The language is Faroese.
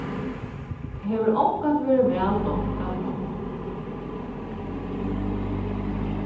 tað hevur ongantíð verið væl dámt av monnum